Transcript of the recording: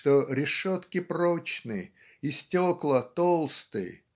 что "решетки прочны и стекла толсты"